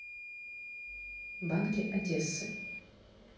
банки одессы